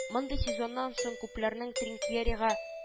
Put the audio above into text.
Мондый сезоннан соң күпләрнең тринкьерига